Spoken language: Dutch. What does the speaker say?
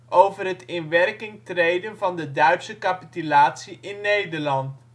over het in werking treden van de Duitse capitulatie in Nederland